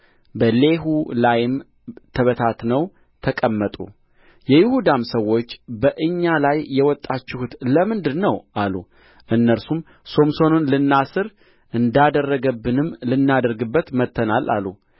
በሌሒ ላይም ተበታትነው ተቀመጡ የይሁዳም ሰዎች በእኛ ላይ የወጣችሁት ለምንድር ነው አሉ እነርሱም ሶምሶንን ልናስር እንዳደረገብንም ልናደርግበት መጥተናል አሉ